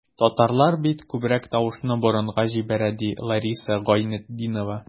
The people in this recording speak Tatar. Татарлар бит күбрәк тавышны борынга җибәрә, ди Лариса Гайнетдинова.